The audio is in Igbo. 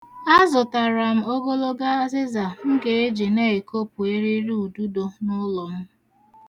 Azụtara m ogologo azịza m ga-eji na-ekopu eririududo n'ụlọ m.